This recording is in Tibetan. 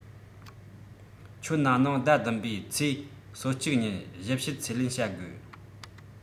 ཁྱོད ན ནིང ཟླ ༧ པའི ཚེས ༣༡ ཉིན ཞིབ དཔྱད ཚད ལེན བྱ དགོས